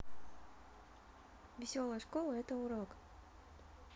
веселая школа это урок